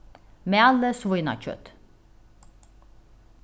malið svínakjøt